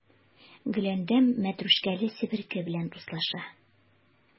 Гөләндәм мәтрүшкәле себерке белән дуслаша.